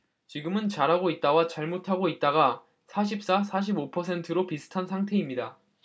지금은 잘하고 있다와 잘못하고 있다가 사십 사 사십 오 퍼센트로 비슷한 상태입니다